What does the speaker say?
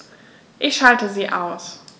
Ich schalte sie aus.